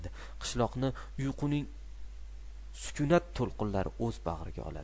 qishloqni uyquning sukunat to'lqinlari o'z bag'riga oladi